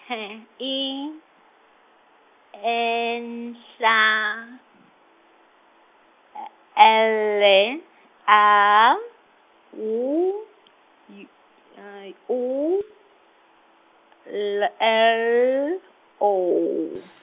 H I, N, hla L le A, W, yo U, L le L, O.